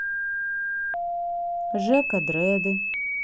жека дреды